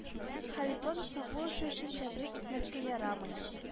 Харитоновны бу эше өчен тәбрик итмәскә ярамый